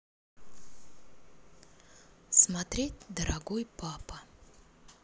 смотреть дорогой папа